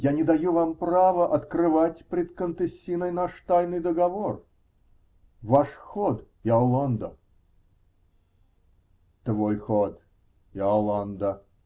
Я не даю вам права открывать пред контессиной наш тайный договор! Ваш ход, Иоланда. -- Твой ход, Иоланда.